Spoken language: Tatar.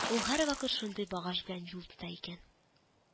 Ул һәрвакыт шундый багаж белән юл тота икән